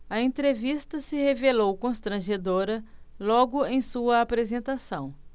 a entrevista se revelou constrangedora logo em sua apresentação